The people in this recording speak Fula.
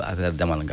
affaire ndemal ngal